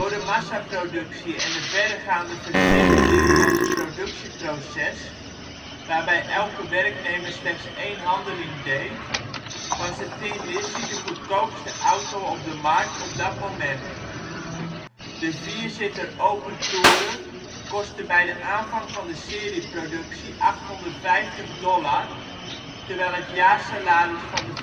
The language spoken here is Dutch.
de massaproductie en de verregaande versimpeling van het productieproces, waarbij elke werknemer slechts één handeling deed, was de Tin Lizzie de goedkoopste auto op de markt op dat moment. De vierzitter open tourer kostte bij aanvang van de serieproductie 850 dollar terwijl het jaarsalaris van de